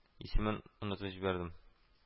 Исемен онытып җибәрдем…